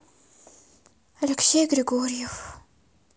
алексей григорьев